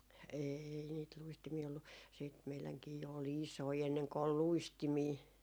ei niitä luistimia ollut sitten meidänkin jo oli isoja ennen kuin oli luistimia